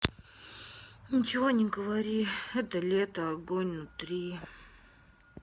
ничего не говори это лето агонь нутри